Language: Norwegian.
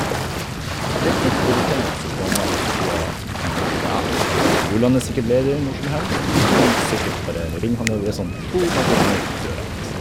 Det er litt irriterende at mamma hele tida tenker at, ja, hun kan Julian er sikkert ledig når som helst, vi kan sikkert bare ringe han når vi er sånn to meter unna hu døra hans.